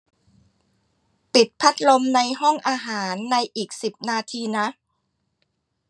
ปิดพัดลมในห้องอาหารในอีกสิบนาทีนะ